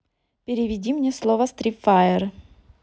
переведи мне слово spit fire